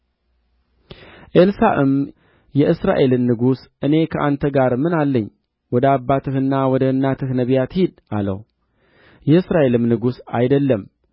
ኢዮሣፍጥም የእግዚአብሔር ቃል በእርሱ ዘንድ ይገኛል አለ የእስራኤል ንጉሥና ኢዮሣፍጥ የኤዶምያስም ንጉሥ ወደ እርሱ ወረዱ